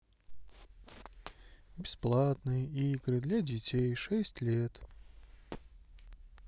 бесплатные игры для детей шесть лет